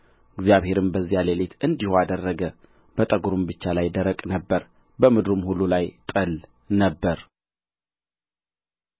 እግዚአብሔርም በዚያ ሌሊት እንዲሁ አደረገ በጠጕሩ ብቻ ላይ ደረቅ ነበረ በምድሩም ሁሉ ላይ ጠል ነበረ